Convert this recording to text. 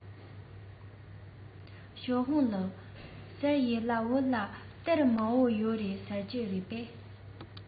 ཞའོ ཧྥུང ལགས ཟེར ཡས ལ བོད ལ གཏེར མང པོ ཡོད རེད ཟེར གྱིས རེད པས